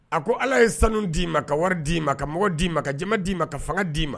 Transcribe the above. A ko ala ye sanu d'i ma ka wari d'i ma ka mɔgɔ d'i ma ka jama d'i ma ka fanga d'i ma